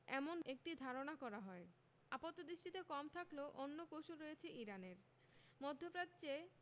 এমন একটি ধারণা করা হয় আপাতদৃষ্টিতে কম থাকলেও অন্য কৌশল রয়েছে ইরানের মধ্যপ্রাচ্যে